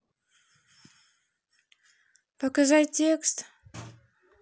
показать текст